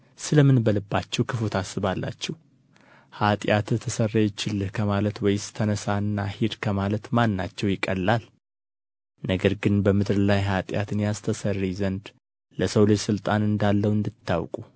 ስለ ምን በልባችሁ ክፉ ታስባላችሁ ኃጢአትህ ተሰረየችልህ ከማለት ወይስ ተነሣና ሂድ ከማለት ማናቸው ይቀላል ነገር ግን በምድር ላይ ኃጢአትን ያስተሰርይ ዘንድ ለሰው ልጅ ሥልጣን እንዳለው እንድታውቁ